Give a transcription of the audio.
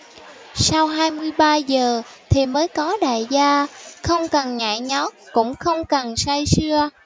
sau hai mươi ba giờ thì mới có đại gia không cần nhảy nhót cũng không cần say sưa